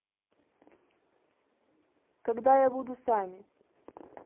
когда я буду сами